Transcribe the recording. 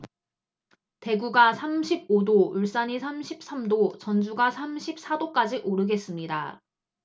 대구가 삼십 오 도 울산이 삼십 삼 도 전주가 삼십 사 도까지 오르겠습니다